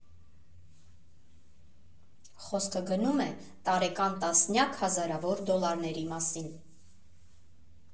Խոսքը գնում է տարեկան տասնյակ հազարավոր դոլարների մասին։